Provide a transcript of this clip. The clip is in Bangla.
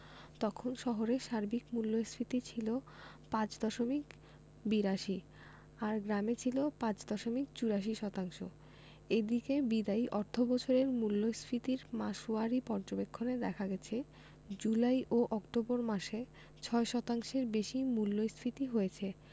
তখন শহরে সার্বিক মূল্যস্ফীতি ছিল ৫ দশমিক ৮২ আর গ্রামে ছিল ৫ দশমিক ৮৪ শতাংশ এদিকে বিদায়ী অর্থবছরের মূল্যস্ফীতির মাসওয়ারি পর্যবেক্ষণে দেখা গেছে জুলাই ও অক্টোবর মাসে ৬ শতাংশের বেশি মূল্যস্ফীতি হয়েছে